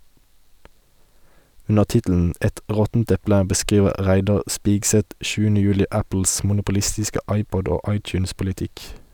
Under tittelen "Et råttent eple" beskriver Reidar Spigseth 7. juli Apples monopolistiske iPod- og iTunes-politikk.